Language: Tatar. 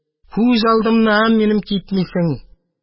Күз алдымнан минем китмисең.